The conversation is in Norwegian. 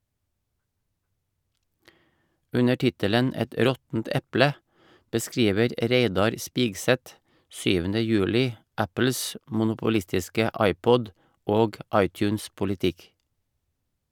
Under tittelen "Et råttent eple" beskriver Reidar Spigseth 7. juli Apples monopolistiske iPod- og iTunes-politikk.